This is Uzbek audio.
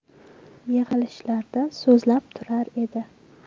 yig'ilishlarda so'zlab turar edi